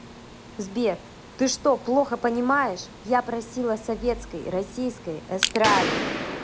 сбер ты что плохо понимаешь я просила советской российской эстрады